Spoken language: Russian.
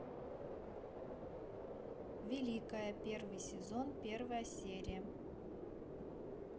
великая первый сезон первая серия